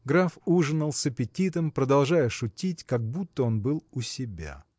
Граф ужинал с аппетитом, продолжая шутить, как будто он был у себя.